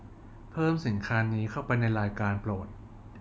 เพิ่มสินค้านี้เข้าไปในรายการโปรด